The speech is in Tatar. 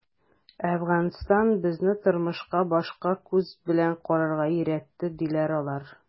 “әфганстан безне тормышка башка күз белән карарга өйрәтте”, - диләр алар.